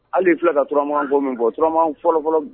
Hali filɛ ka turama bɔ min fɔ turaman fɔlɔfɔlɔ